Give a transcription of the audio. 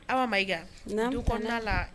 Aw ma iiga' kɔnɔna la